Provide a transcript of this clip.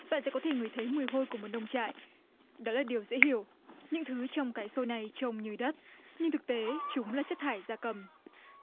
bạn sẽ có thể ngửi thấy mùi hôi của một nông trại đó là điều dễ hiểu những thứ trong cái sổ này trông như đất nhưng thực tế chúng là chất thải gia cầm